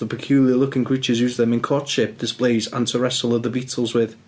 the peculiar looking creatures use them in courtship displays and to wrestle other beetles with.